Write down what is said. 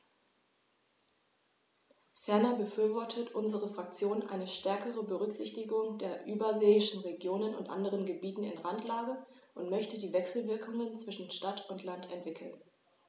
Ferner befürwortet unsere Fraktion eine stärkere Berücksichtigung der überseeischen Regionen und anderen Gebieten in Randlage und möchte die Wechselwirkungen zwischen Stadt und Land entwickeln.